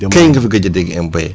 kañ nga fi gëj a dégg impayé